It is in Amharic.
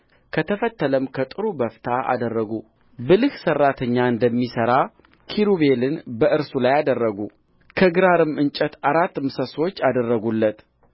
ከተፈተለም ከጥሩ በፍታ አደረጉ ብልህ ሠራተኛ እንደሚሠራ ኪሩቤልን በእርሱ ላይ አደረጉ ከግራርም እንጨት አራት ምሰሶች አደረጉለት